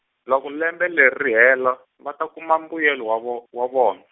loko lembe leri ri hela va ta kuma mbuyelo wa vo, wa von-.